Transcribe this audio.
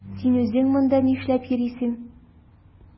Син үзең монда нишләп йөрисең?